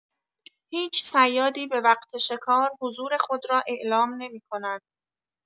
هیچ صیادی، به‌وقت شکار، حضور خود را اعلام نمی‌کند.